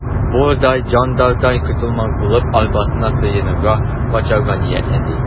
Буртай жандардан котылмак булып, арбасына сыенырга, качарга ниятләде.